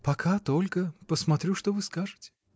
— Пока только: посмотрю, что вы скажете?